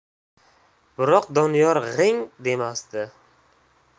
biroq doniyor g'ing demasdi